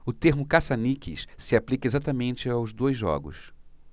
o termo caça-níqueis se aplica exatamente aos dois jogos